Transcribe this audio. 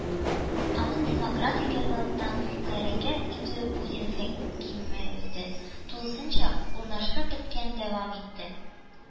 Аның демократик яссылыкта хәрәкәт итүе Путин хакимияте тулысынча урнашып беткән дәвам итте